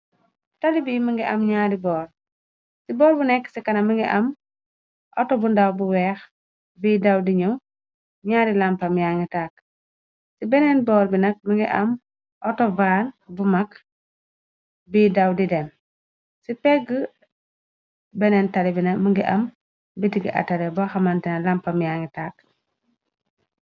tali bi mëngi am ñaari boor ci boor bu nekk ci kana mangi am auto bu ndaw bu weex biy daw di ñu ñaari lampa myani tàkk ci beneen boor binag më ngi am autovaan bu mag bi daw di dem ci pegg beneen tali bina mëngi am bitigi atale ba xamantina lampa miyangi tàkk